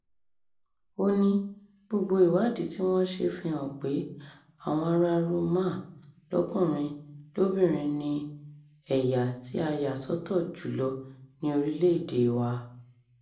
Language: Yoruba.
Ó ní; gbogbo ìwádìí tí wọ́n ṣe fi hàn pé àwọn ará Roma lọ́kùnrin lóbìnrin ni ẹ̀yà tí a yà sọ́tọ̀ jù lọ ní orílẹ̀-èdèe wa.